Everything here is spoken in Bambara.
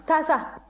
taa sa